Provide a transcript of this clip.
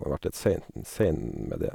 Har vært litt seint sein med det.